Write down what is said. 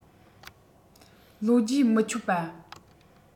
བློས རྗེས མི ཆོད པ